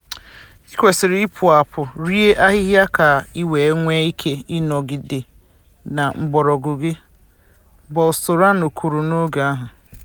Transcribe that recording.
"""Ị kwesịrị ịpụ apụ rie ahịhịa ka i wee nwee ike ịnọgide na mgbọrọgwụ gị," Bolsonaro kwuru n'oge ahụ.